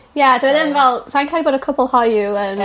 Ie dwi'n yn fel sai'n credu bod y cwpwl hoyw yn...